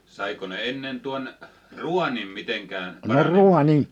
saiko ne ennen tuon raanin mitenkään paranemaan